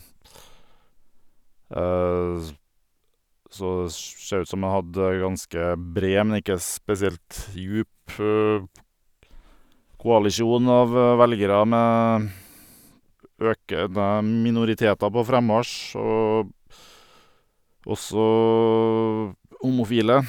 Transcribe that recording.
Så det sj ser ut som jeg hadde ganske bred, men ikke spesielt djup koalisjon av velgere med økende minoriteter på frammarsj og også homofile.